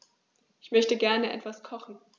Ich möchte gerne etwas kochen.